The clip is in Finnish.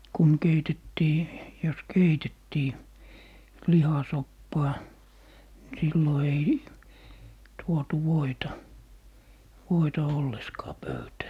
kun keitettiin jos keitettiin lihasoppaa niin silloin ei tuotu voita voita ollenkaan pöytään